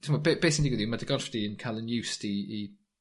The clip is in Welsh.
t'mo' ma be beth yn digydd i medygorffdin cael y niiwsti i